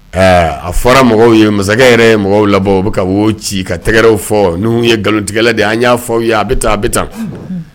A fɔra mɔgɔw ye masakɛ yɛrɛ mɔgɔw labɔ u bɛ ka wo ci ka tɛgɛw fɔ n' ye nkalontigɛlɛ de ye an y'a fɔw ye a bɛ taa a bɛ taa